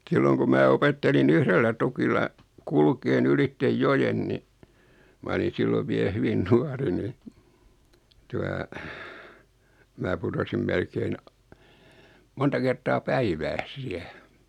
silloin kun minä opettelin yhdellä tukilla kulkemaan ylitse joen niin minä olin silloin vielä hyvin nuori niin tuota minä putosin melkein - monta kertaa päivässä siellä